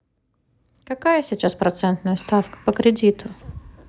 какая сейчас процентная ставка по кредиту